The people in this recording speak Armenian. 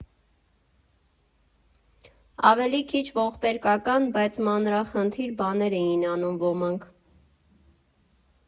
Ավելի քիչ ողբերգական, բայց մանրախնդիր բաներ էլ էին անում ոմանք։